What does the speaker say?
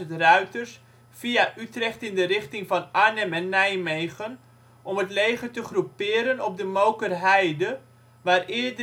ruiters via Utrecht in de richting van Arnhem en Nijmegen om het leger te groeperen op de Mookerheide, waar eerder in 1574